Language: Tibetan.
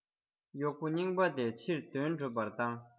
གཡོག པོ རྙིང པ དེ ཕྱིར དོན སྒྲུབ པར བཏང